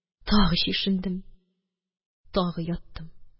Тагы чишендем, тагы яттым